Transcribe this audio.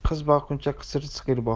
qiz boqquncha qisir sigir boq